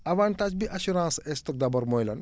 avantage bi assurance stock d' abord mooy lan